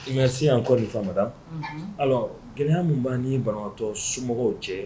Usi an kɔ faama gɛlɛya minnu b'a ni banatɔ somɔgɔw cɛ